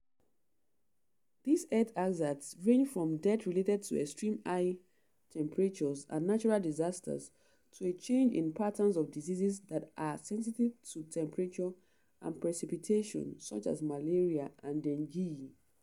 These health hazards range from deaths related to extreme high temperatures and natural disasters to a change in patterns of diseases that are sensitive to temperature and precipitation, such as malaria and dengue.